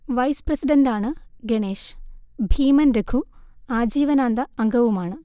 vice പ്രസിഡന്റാണ് ഗണേശ്, ഭീമൻരഘു ആജീവനാന്ത അംഗവുമാണ്